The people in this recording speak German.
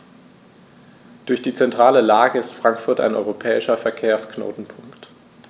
Durch die zentrale Lage ist Frankfurt ein europäischer Verkehrsknotenpunkt.